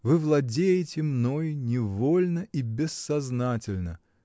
вы владеете мной невольно и бессознательно.